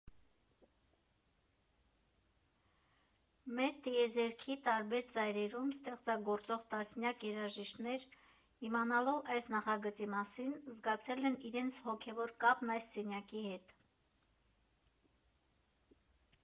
Մեր տիեզերքի տարբեր ծայրերում ստեղծագործող տասնյակ երաժիշտներ, իմանալով այս նախագծի մասին, զգացել են իրենց հոգևոր կապն այս սենյակի հետ։